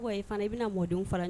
Fana i bɛ bɛna mɔdenw